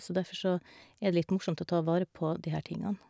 Så derfor så er det litt morsomt å ta vare på de her tingene.